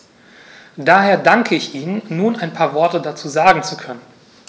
Daher danke ich Ihnen, nun ein paar Worte dazu sagen zu können.